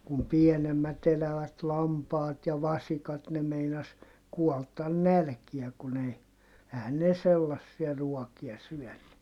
kun pienemmät elävät lampaat ja vasikat ne meinasi kuolla nälkään kun ei eihän ne sellaisia ruokia syönyt